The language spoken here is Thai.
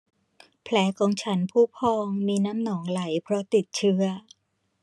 แผลของฉันพุพองมีน้ำหนองไหลเพราะติดเชื้อ